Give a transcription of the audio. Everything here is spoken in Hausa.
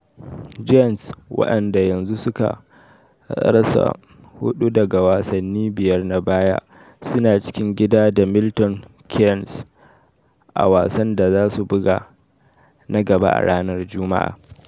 Giants, waɗanda yanzu suka rasa hudu daga wasanni biyar na baya, su na cikin gida da Milton Keynes a wasan da za su buga na gaba a ranar Jumma'a.